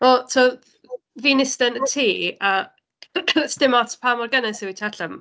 Wel, timod, fi'n iste yn y tŷ a 'sdim ots pa mor gynnes yw hi tu allan.